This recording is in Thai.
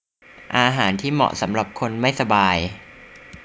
อาหารที่เหมาะสำหรับคนไม่สบาย